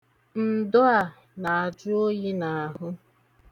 Ndo a na-ajụ oyi n'ahụ.